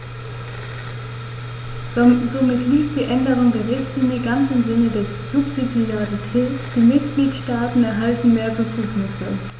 Somit liegt die Änderung der Richtlinie ganz im Sinne der Subsidiarität; die Mitgliedstaaten erhalten mehr Befugnisse.